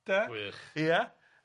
De? Gwych. Ia.